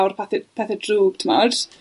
o'r pathe pethe drwg, t'mod?